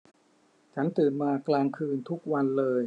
ฉันตื่นมากลางคืนทุกวันเลย